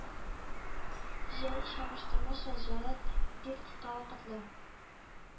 Җәй чагыштырмача җылы, тик кыска вакытлы